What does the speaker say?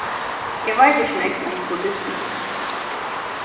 eg veit ikki nógv um buddismu